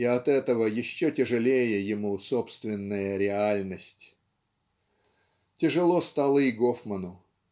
и от этого еще тяжелее ему собственная реальность. Тяжело стало и Гофману.